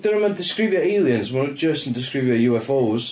'Dyn nhw'm yn disgrifio aliens, maen nhw jyst yn disgrifio UFOs.